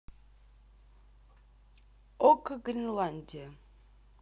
okko гренландия